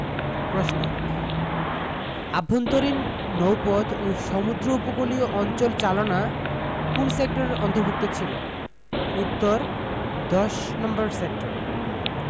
প্রশ্ন আভ্যন্তরীণ নৌপথ ও সমুদ্র উপকূলীয় অঞ্চল চালনা কোন সেক্টরের অন্তভুর্ক্ত ছিল উত্তরঃ ১০নং সেক্টরে